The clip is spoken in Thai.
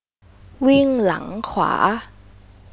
วิ่งหลังขวา